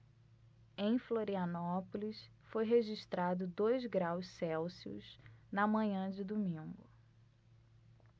em florianópolis foi registrado dois graus celsius na manhã de domingo